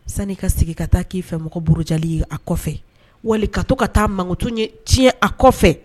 Sanii ka sigi ka taa k'i fɛ mɔgɔ burujali ye a kɔfɛ wali ka to ka taa mankuto tiɲɛ a kɔfɛ